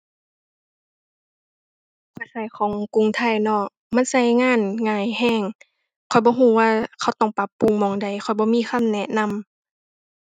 ข้อยใช้ของกรุงไทยเนาะ มันใช้งานง่ายใช้ ข้อยบ่ใช้ว่าเขาต้องปรับปรุงหม้องใด ข้อยบ่มีคำแนะนำ